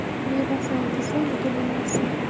mevasini desang gulini asra